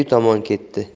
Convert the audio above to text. uyi tomon ketdi